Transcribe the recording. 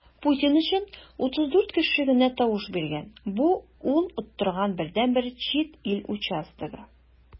Путин өчен 34 кеше генә тавыш биргән - бу ул оттырган бердәнбер чит ил участогы.